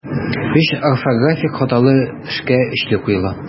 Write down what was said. Өч орфографик хаталы эшкә өчле куела.